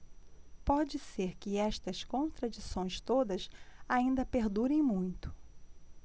pode ser que estas contradições todas ainda perdurem muito